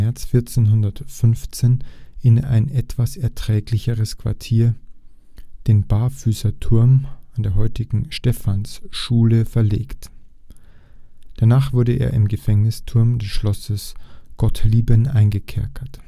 März 1415 in ein etwas erträglicheres Quartier, den Barfüßerturm an der späteren Stefansschule, verlegt. Danach wurde er im Gefängnisturm des Schlosses Gottlieben eingekerkert